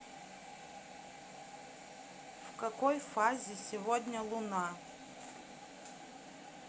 в какой фазе сегодня луна